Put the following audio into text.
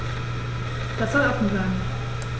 Das soll offen bleiben.